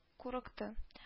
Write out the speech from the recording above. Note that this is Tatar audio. Курыкты